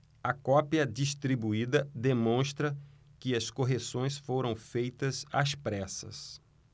a cópia distribuída demonstra que as correções foram feitas às pressas